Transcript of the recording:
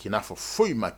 K' n'a fɔ foyi ma